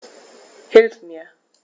Hilf mir!